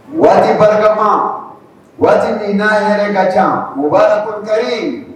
Waati barikama, waati min n'a hɛrɛ ka caa, mubarakun kariimun